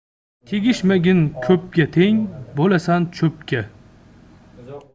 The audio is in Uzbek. tegishmagin ko'pga teng bo'lasan cho'pga